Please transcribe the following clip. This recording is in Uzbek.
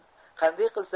qanday qilsam